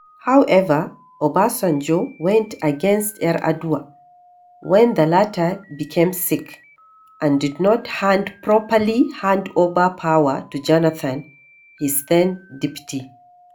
However, Obasanjo went against Yar’Adua when the latter became sick and did not hand properly hand over power to Jonathan, his then deputy.